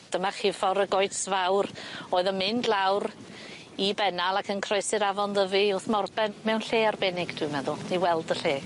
Dyma chi ffor y goets fawr oedd yn mynd lawr i Bennal ac yn croesi'r afon Ddyfi wrth Morben mewn lle arbennig dwi'n meddwl i weld y lle.